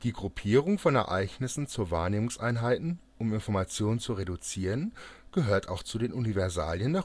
Gruppierung von Ereignissen zu Wahrnehmungseinheiten, um Information zu reduzieren, gehört auch zu den Universalien